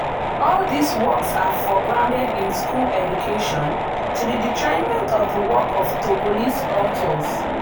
All these works are foregrounded in school education, to the detriment of the works of Togolese authors.